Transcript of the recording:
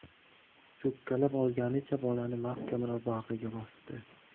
cho'kkalab olganicha bolani mahkamroq bag'riga bosdi